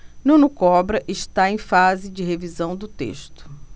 nuno cobra está em fase de revisão do texto